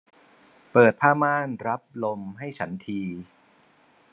เปิดผ้าม่านรับลมให้ฉันที